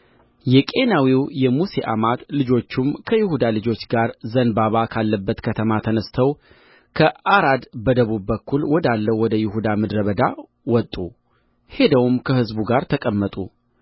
የቄናዊው የሙሴ አማት ልጆችም ከይሁዳ ልጆች ጋር ዘንባባ ካለባት ከተማ ተነሥተው ከዓራድ በደቡብ በኩል ወዳለው ወደ ይሁዳ ምድረ በዳ ወጡ ሄደውም ከሕዝቡ ጋር ተቀመጡ